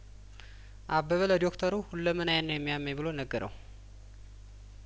አበበ ለዶክተሩ ሁለመናዬን ነው የሚያመኝ ብሎ ነገረው